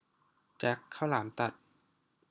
แจ็คข้าวหลามตัด